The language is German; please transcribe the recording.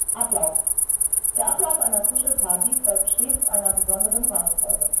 Ablauf einer Kuschelparty folgt stets einer besonderen Reihenfolge